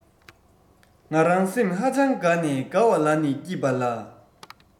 ང རང སེམས ཧ ཅང དགའ ནས དགའ བ ལ ནི སྐྱིད པ ལ